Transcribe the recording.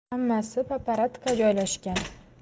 hammasi paparatka joylashgan